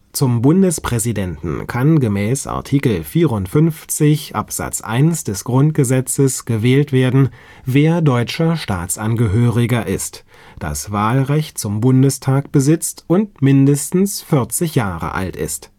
Zum Bundespräsidenten kann gemäß Art. 54 (1) GG gewählt werden, wer deutscher Staatsangehöriger ist, das Wahlrecht zum Bundestag besitzt und mindestens 40 Jahre alt ist